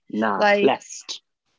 Na, lust.